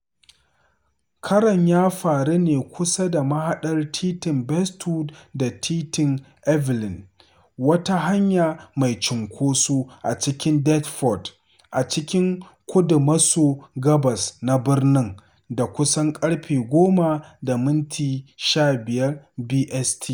Karon ya faru ne kusa da mahaɗar Titin Bestwood da Titin Evelyn, wata hanya mai cunkoso a cikin Deptford, a cikin kudu-maso-gabas na birnin, da kusan ƙarfe 10:15 BST.